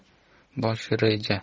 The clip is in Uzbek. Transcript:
bosh reja